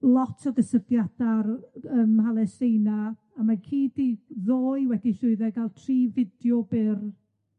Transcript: lot o gysylltiada'r ym Mhalesteina, a ma' ci 'di ddoi wedi llwyddo i ga'l tri fideo byr